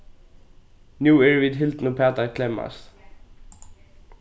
nú eru vit hildin uppat at klemmast